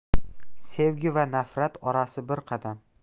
sevgi va nafrat orasi bir qadam